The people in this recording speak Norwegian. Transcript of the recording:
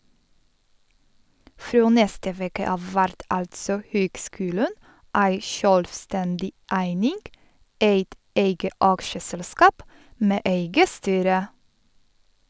Frå neste veke av vert altså høgskulen ei sjølvstendig eining, eit eige aksjeselskap med eige styre.